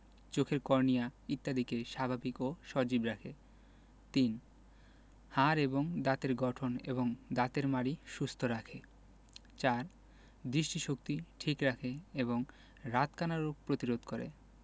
চোখের কর্নিয়া ইত্যাদিকে স্বাভাবিক ও সজীব রাখে ৩. হাড় এবং দাঁতের গঠন এবং দাঁতের মাড়ি সুস্থ রাখে ৪. দৃষ্টিশক্তি ঠিক রাখে এবং রাতকানা রোগ প্রতিরোধ করে